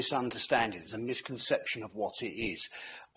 misunderstanding there's a misconception of what it is.